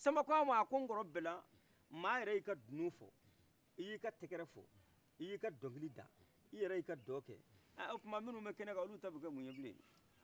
sanba k'ama a ko nkɔro bɛlan mɔgɔ yɛrɛ y'i ka dunu fɔ i yi ka tɛkɛrɛfɔ i yi ka dɔnkili da i yɛrɛ y'i ka dɔn kɛ ɛ o tuman minun bɛ kɛnɛkan olu ta bɛ kɛ mun ye bile